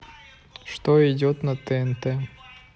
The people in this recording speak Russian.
что идет на тнт